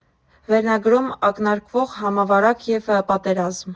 Վերնագրում ակնարկվող համավարակ և պատերազմ։